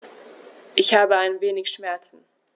Ich habe ein wenig Schmerzen.